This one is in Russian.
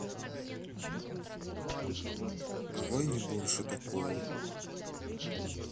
давай не больше такого